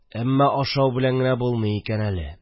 Әммә ашау белән генә булмый икән әле